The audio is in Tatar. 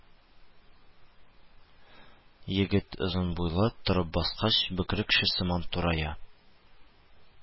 Егет озын буйлы, торып баскач, бөкре кеше сыман турая